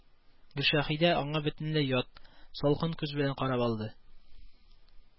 Гөлшәһидә аңа бөтенләй ят, салкын күз белән карап алды